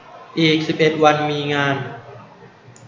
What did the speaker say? อีกสิบเอ็ดวันมีงาน